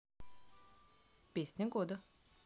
песня года